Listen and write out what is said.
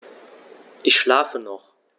Ich schlafe noch.